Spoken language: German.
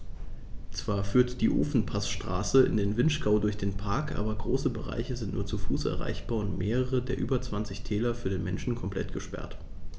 Zwar führt die Ofenpassstraße in den Vinschgau durch den Park, aber große Bereiche sind nur zu Fuß erreichbar und mehrere der über 20 Täler für den Menschen komplett gesperrt.